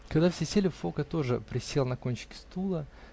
Когда все сели, Фока тоже присел на кончике стула